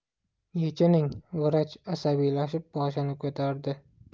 yechining vrach asabiylashib boshini ko'tardi